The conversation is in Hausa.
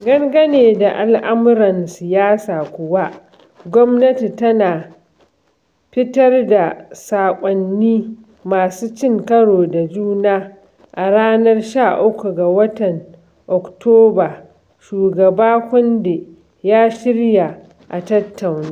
Dangane da al'amuran siyasa kuwa, gwamnati tana fitar da saƙonni masu cin karo da juna: A ranar 13 ga watan Oktoba Shugaba Conde ya shirya a tattauna.